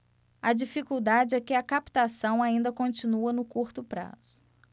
a dificuldade é que a captação ainda continua no curto prazo